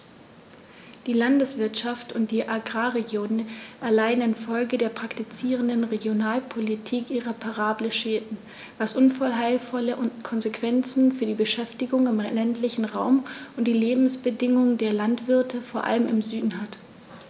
Die Landwirtschaft und die Agrarregionen erleiden infolge der praktizierten Regionalpolitik irreparable Schäden, was unheilvolle Konsequenzen für die Beschäftigung im ländlichen Raum und die Lebensbedingungen der Landwirte vor allem im Süden hat.